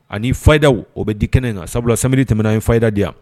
Ani fa daw o bɛ di kɛnɛ in kan sabula sari tɛmɛna ye da yan